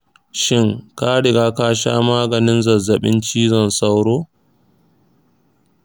shin ka riga ka sha maganin zazzabin cizon sauro?